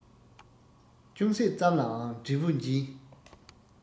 ཅུང ཟད ཙམ ལའང འབྲས བུ འབྱིན